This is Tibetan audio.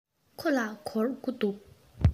ཁོ ལ སྒོར དགུ འདུག